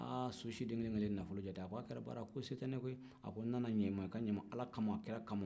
aaa so si den kelen-kelen nafolo jate a ko a kɛra baara ko se tɛ ne ye koyi n nana i ka ɲa ne ma ala kama kira kama